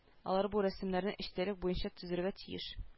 Алар бу рәсемнәрне эчтәлек буенча тезергә тиеш